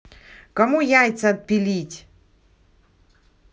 кому яйца отпилить